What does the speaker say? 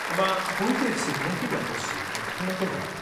A ma' bwydydd sydd wedi'w eplysu yn hynod o dda